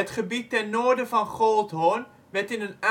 gebied ten noorden van Goldhoorn werd in